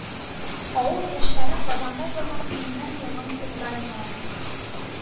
«авыл яшьләре» – казанда елның июленнән елның февраленә